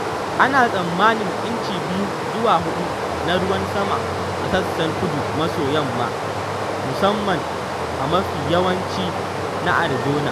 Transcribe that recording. Ana tsammanin inci 2 zuwa 4 na ruwan sama a sassan kudu-maso-yamma, musamman a mafi yawanci na Arizona.